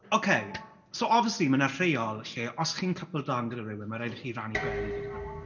Okay so obviously ma' 'na rheol lle os chi'n coupled lan gyda rhywun mae'n rhaid i chi rannu gwely gyda nhw.